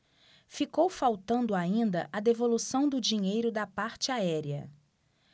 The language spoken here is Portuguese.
ficou faltando ainda a devolução do dinheiro da parte aérea